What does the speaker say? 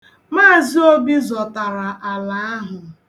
Maazị Obi zọtara ala ahụ.